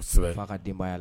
Fan ka denbaya la